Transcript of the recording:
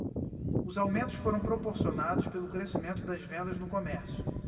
os aumentos foram proporcionados pelo crescimento das vendas no comércio